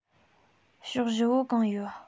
ཕྱོགས བཞི བོ གང ཡོད